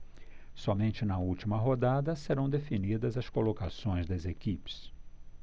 somente na última rodada serão definidas as colocações das equipes